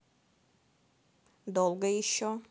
долго еще